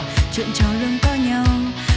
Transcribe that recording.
chuyện trò luôn có nhau